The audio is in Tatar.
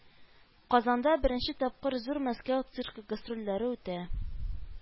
Казанда беренче тапкыр Зур Мәскәү циркы гастрольләре үтә